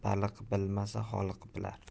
bilar baliq bilmasa xoliq bilar